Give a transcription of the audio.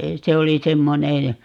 se oli semmoinen ja